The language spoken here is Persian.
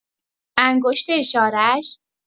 انگشت اشاره‌اش